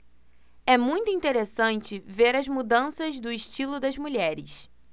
é muito interessante ver as mudanças do estilo das mulheres